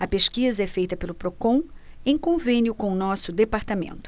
a pesquisa é feita pelo procon em convênio com o diese